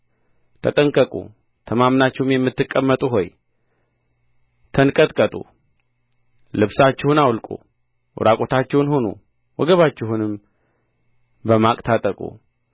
ተጠንቀቁ ተማምናችሁም የምትቀመጡ ሆይ ተንቀጥቀጡ ልብሳችሁን አውልቁ ዕራቁታችሁን ሁኑ ወገባችሁንም በማቅ ታጠቁ